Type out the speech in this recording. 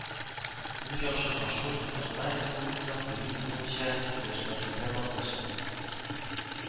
Иң яхшы маршрут Татарстан Республикасының туризм буенча белешмәсендә басылачак